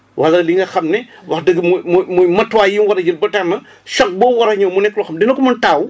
wala li nga xam ne wax dëgg muy muy matuwaay yu mu war a jël ba tax na choc boobu war a ñëw mu nekk loo xam dina ko mën a taawu